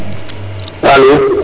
alo